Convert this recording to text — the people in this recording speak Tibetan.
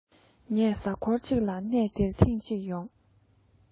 ངས གཟའ མཁོར ཅིག ལ གནས འདིར ཐེང ཅིག ཡོང གི ཡོད